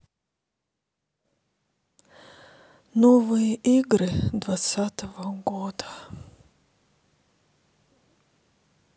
новые игры двадцатого года